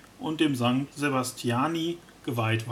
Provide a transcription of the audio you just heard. und dem Sankt Sebastiani geweiht waren